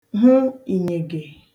hụ iǹyègè